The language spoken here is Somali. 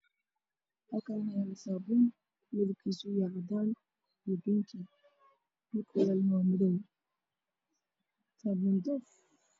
Halkaan waxaa yaalo saabuun midabkiisu yahay cadaan iyo binki midabkeedana waa madow saabuunta.